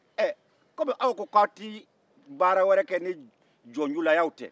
ɛɛ kɔmi aw ko aw tɛ baara wɛrɛ kɛ ni jɔnjulayaw tɛ